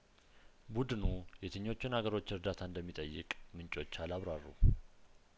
ቡድኑ የትኞቹን ሀገሮች እርዳታ እንደሚጠይቅ ምንጮቹ አላብራሩም